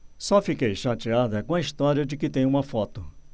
só fiquei chateada com a história de que tem uma foto